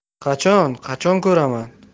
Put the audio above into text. qachon qachon ko'raman